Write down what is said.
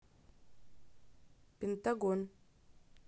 пентагон